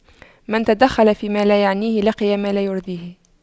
من تدخل فيما لا يعنيه لقي ما لا يرضيه